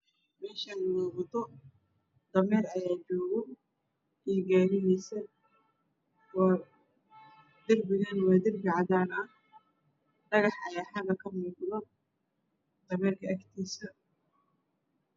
Meeshan waa wado dameer ayaa joogo iyo gaarigiisa waa darbigana waa darbi cadaan ah dhagax ayaa xaga ka muuqdo dameerka agtiisa